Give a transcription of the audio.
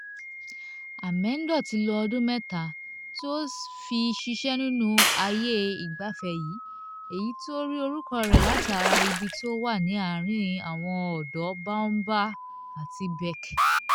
Amendo ti lo ọdún mẹ́ta tí ó fi ṣiṣẹ́ nínú àyè ìgbafẹ́ yìí, èyí tí ó rí orúkọ rẹ̀ láti ara ibi tí ó wà ní àárín àwọn odò Boumba àti Bek.